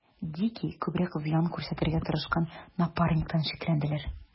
Дикий күбрәк зыян күрсәтергә тырышкан Напарниктан шикләнделәр.